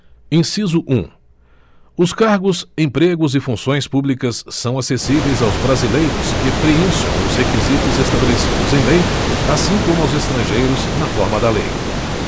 inciso um os cargos empregos e funções públicas são acessíveis aos brasileiros que preencham os requisitos estabelecidos em lei assim como aos estrangeiros na forma da lei